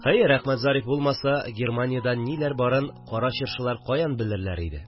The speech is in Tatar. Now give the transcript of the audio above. Хәер, Әхмәтзариф булмаса, Германиядә ниләр барын Кара Чыршылар каян белерләр иде